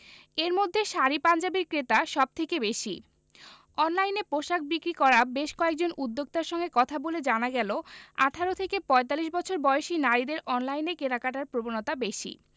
এর মধ্যে শাড়ি পাঞ্জাবির ক্রেতা সব থেকে বেশি অনলাইনে পোশাক বিক্রি করা বেশ কয়েকজন উদ্যোক্তার সঙ্গে কথা বলে জানা গেল ১৮ থেকে ৪৫ বছর বয়সী নারীদের অনলাইনে কেনাকাটার প্রবণতা বেশি